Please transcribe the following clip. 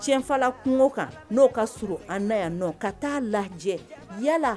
Tienfala kuŋo kan n'o ka surun an na yannɔ ka taa lajɛ yaala